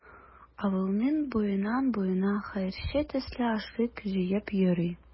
Авылның буеннан-буена хәерче төсле ашлык җыеп йөри.